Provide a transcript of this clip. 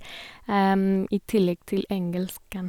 I tillegg til engelsken...